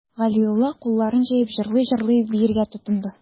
Галиулла, кулларын җәеп, җырлый-җырлый биергә тотынды.